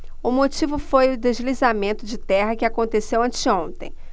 o motivo foi o deslizamento de terra que aconteceu anteontem